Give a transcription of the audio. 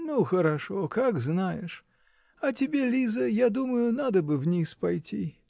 -- Ну, хорошо, как знаешь; а тебе, Лиза, я думаю, надо бы вниз пойти.